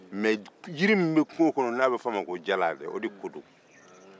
me jiri min bɛ kunngo kɔnɔ n'a bɛ fɔ o ma ko jala an kan be o ma